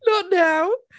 "Not now!"